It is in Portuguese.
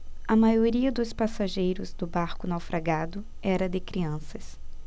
a maioria dos passageiros do barco naufragado era de crianças